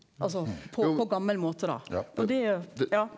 altså på på gammal måte da og det ja.